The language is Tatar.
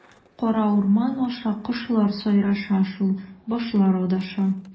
Кара урман аша, кошлар сайраша шул, башлар адаша.